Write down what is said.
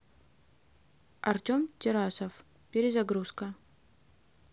артем тарасов перезагрузка